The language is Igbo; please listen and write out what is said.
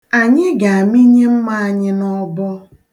Anyị ga-amịnye mma anyị n'ọbọ.